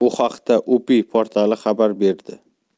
bu haqda upi portali xabar berdi